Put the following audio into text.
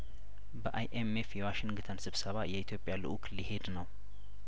በአይኤም ኤፍ የዋሽንግተን ስብሰባ የኢትዮጵያ ልኡክ ሊሄድ ነው